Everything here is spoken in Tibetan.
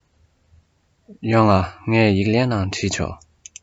ཡོང ང ངས ཡིག ལན ནང བྲིས ཆོག